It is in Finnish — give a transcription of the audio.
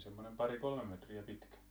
semmoinen pari kolme metriä pitkä